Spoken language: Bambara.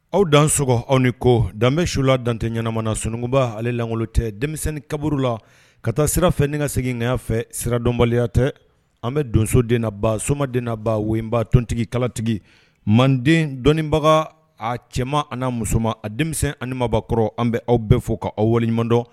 Aw dan sɔgɔ aw ni ko dan su la dantɛ ɲɛnamana na sunkunba ale langolo tɛ denmisɛnnin kaburu la ka taa sira fɛnni ka segin ɲɛya fɛ siradɔbaliya tɛ an bɛ donsod naba somad naba wba tontigi kalatigi manden dɔnnibagaw a cɛman an muso a denmisɛnnin ani mabɔbaakɔrɔ an bɛ aw bɛɛ fɔ k'aw waleɲumandɔn